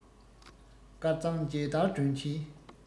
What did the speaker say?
དཀར གཙང མཇལ དར སྒྲོན གྱིན